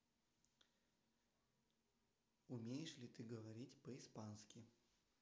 умеешь ли ты говорить по испански